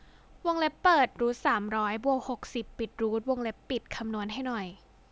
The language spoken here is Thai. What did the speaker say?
วงเล็บเปิดรูทสามร้อยบวกหกสิบปิดรูทวงเล็บปิดคำนวณให้หน่อย